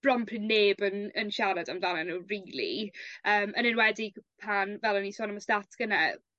bron pw- neb yn yn siarad amdanyn n'w rili yym yn enwedig pan fel o'n i'n sôn am y stats gynne